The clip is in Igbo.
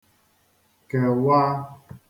kewaa